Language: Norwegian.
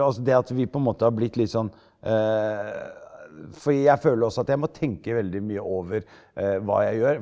altså det at vi på en måte har blitt litt sånn for jeg føler jo også at jeg må tenke veldig mye over hva jeg gjør.